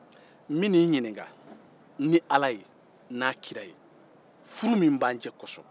n bɛ n'i ɲininkan ni ala ye n'a kari ye furu min b'an cɛ kɔsɔ